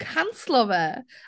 Canslo fe.